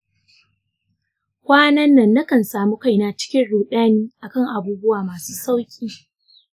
kwanan nan nakan samun kaina cikin ruɗani akan abubuwa masu sauƙi.